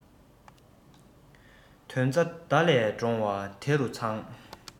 དོན རྩ མདའ ལས འདྲོང བ དེ རུ ཚང